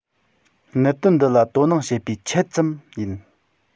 གནད དོན འདི ལ དོ སྣང བྱེད པའི ཆེད ཙམ ཡིན